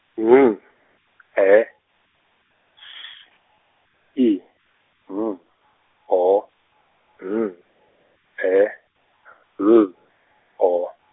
N, E, S, I, B, O, N, E , L, O.